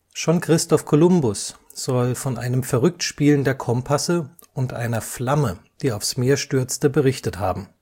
Schon Christoph Kolumbus soll von einem Verrücktspielen der Kompasse und einer „ Flamme “, die aufs Meer stürzte, berichtet haben